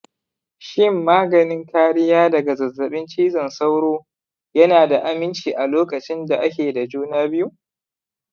shin maganin kariya daga zazzaɓin cizon sauro yana da aminci a lokacin da ake da juna biyu?